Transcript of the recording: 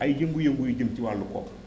ay yëngu yëngu yu jëm ci wàllu koom